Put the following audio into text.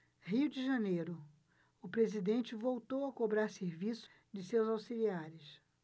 rio de janeiro o presidente voltou a cobrar serviço de seus auxiliares